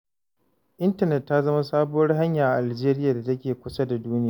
Intanet ta zama sabuwar hanya a Algeria da take kusa da duniya.